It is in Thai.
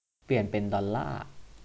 เปลี่ยนเป็นดอลล่า